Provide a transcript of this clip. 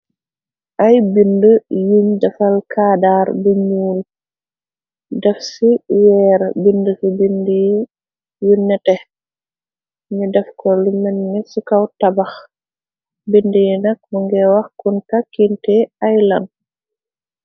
Ay binde yuñ defal kaadaar bu ñuul def ci weer binde ci binde yu nete ñu def ko lu melne ci kaw tabax binde yi nak mu ngi wax kunta kinte ay land.